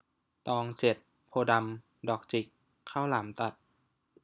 ตองเจ็ดโพธิ์ดำดอกจิกข้าวหลามตัด